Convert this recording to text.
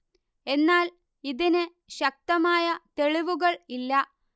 എന്നാൽ ഇതിന് ശക്തമായ തെളിവുകൾ ഇല്ല